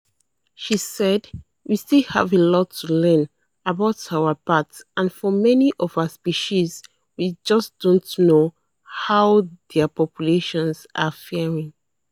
She said: "We still have a lot to learn about our bats and for many of our species we just don't know how their populations are faring."